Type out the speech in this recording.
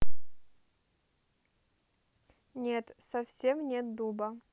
нет совсем нет дуба